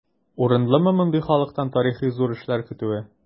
Урынлымы мондый халыктан тарихи зур эшләр көтүе?